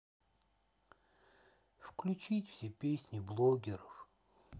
включить все песни блогеров